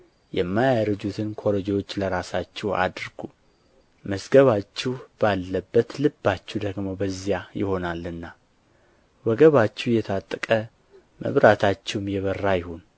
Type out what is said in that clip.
የማያረጁትንም ኮረጆዎች ለራሳችሁ አድርጉ መዝገባችሁ ባለበት ልባችሁ ደግሞ በዚያ ይሆናልና ወገባችሁ የታጠቀ መብራታችሁም የበራ ይሁን